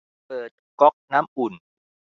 เปิดก๊อกน้ำอุ่น